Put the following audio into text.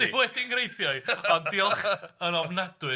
Yndi wedi'n nghreithio i! Ond diolch yn ofnadwy i chdi.